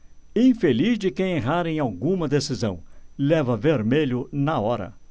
infeliz de quem errar em alguma decisão leva vermelho na hora